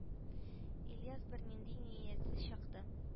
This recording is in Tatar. Ильяс бернинди ниятсез чыкты